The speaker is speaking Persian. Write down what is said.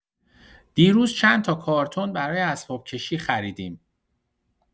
دیروز چندتا کارتن برای اسباب‌کشی خریدیم.